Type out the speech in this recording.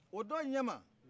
o don ɲɛma